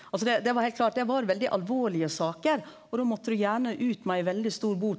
altså det det var heilt klart det var veldig alvorlege sakar og då måtte du gjerne ut med ei veldig stor bot.